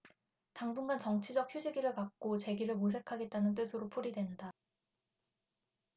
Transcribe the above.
당분간 정치적 휴지기를 갖고 재기를 모색하겠다는 뜻으로 풀이된다